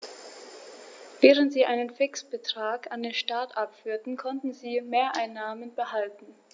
Während sie einen Fixbetrag an den Staat abführten, konnten sie Mehreinnahmen behalten.